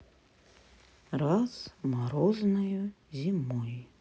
раз морозною зимой